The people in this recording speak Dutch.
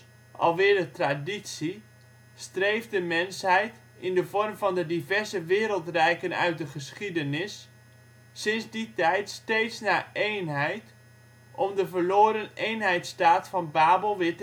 alweer de traditie, streeft de mensheid, in de vorm van de diverse wereldrijken uit de geschiedenis, sinds die tijd steeds naar eenheid om de verloren eenheidsstaat van Babel weer